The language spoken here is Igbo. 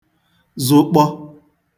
zụkpọ